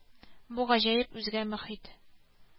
Ат – аның канаты, таянычы.